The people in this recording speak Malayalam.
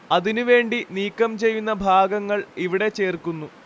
അതിനു വേണ്ടി നീക്കം ചെയ്യുന്ന ഭാഗങ്ങൾ ഇവിടെ ചേർക്കുന്നു